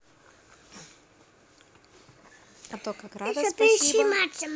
а то как рада спасибо